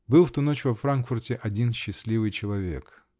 " Был в ту ночь во Франкфурте один счастливый человек.